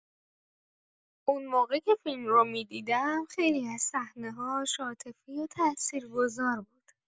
اون موقع که فیلم رو می‌دیدم، خیلی از صحنه‌هاش عاطفی و تاثیرگذار بود.